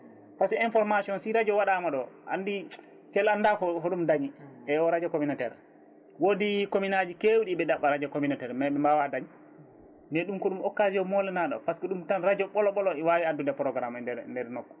par ce que information si radio waɗama ɗo andi Thiel anda hoɗum dañi e o radio communautaire woodi commune aji kewɗi eɓi ɗaɓɓa radio communautaire mais ɓe mbawa daañ mais ɗum ko ɗum occasion molanaɗo par ce que ɗum tan radio ɓoolo ɓoolo wawi addude programme e nder nokku